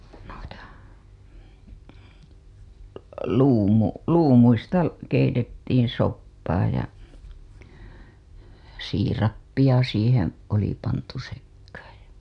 niitä - luumuista keitettiin soppaa ja siirappia siihen oli pantu sekaan ja